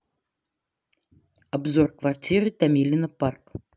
обзор квартиры томилино парк